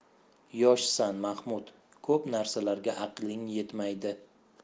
yoshsan mahmud ko'p narsalarga aqling yetmaydi